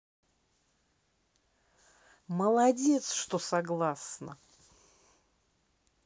молодец что согласна